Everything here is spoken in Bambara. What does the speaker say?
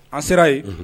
A sera yen